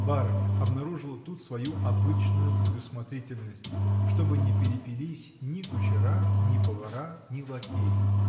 Барыня обнаружила тут свою обычную предусмотрительность, чтобы не перепились ни кучера, ни повара, ни лакеи.